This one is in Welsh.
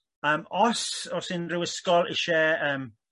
yym os oes unrhyw ysgol isie yym